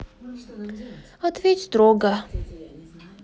ответь строго